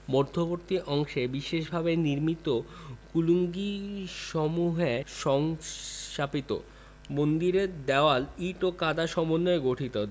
এর মধ্যবর্তী অংশে বিশেষভাবে নির্মিত কুলুঙ্গিসমূহে সংসহাপিত মন্দিরের দেয়াল ইট ও কাদার সমন্বয়ে গঠিত